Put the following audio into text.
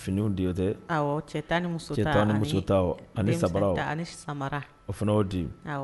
Fini o fana oo di